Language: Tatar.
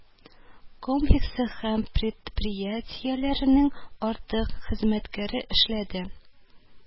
Комплексы һәм предприятиеләренең артык хезмәткәре эшләде